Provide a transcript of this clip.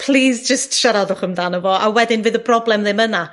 Plîs jyst siaradwch amdano fo a wedyn fydd y broblem ddim yna